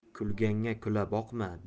kulganga kula boqma